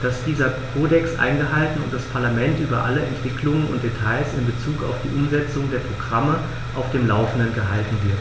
dass dieser Kodex eingehalten und das Parlament über alle Entwicklungen und Details in bezug auf die Umsetzung der Programme auf dem laufenden gehalten wird.